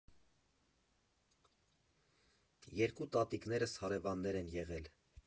Երկու տատիկներս հարևաններ են եղել։